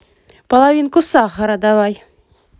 половинку сахара давай